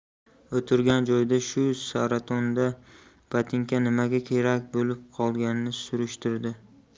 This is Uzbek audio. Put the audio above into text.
o'tirgan joyida shu saratonda botinka nimaga kerak bo'lib qolganini surishtirdi